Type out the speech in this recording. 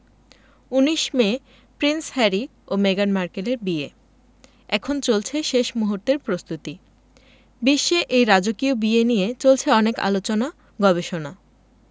১৯ May Prince Harry ও মেগান মার্কেলের বিয়ে এখন চলছে শেষ মুহূর্তের প্রস্তুতি বিশ্বে এই রাজকীয় বিয়ে নিয়ে চলছে অনেক আলোচনা গবেষণা